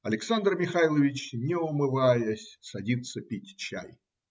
Александр Михайлович, не умываясь, садится пить чай.